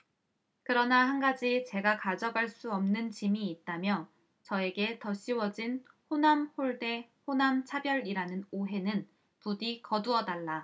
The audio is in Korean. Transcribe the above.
그러나 한 가지 제가 가져갈 수 없는 짐이 있다며 저에게 덧씌워진 호남홀대 호남차별이라는 오해는 부디 거두어 달라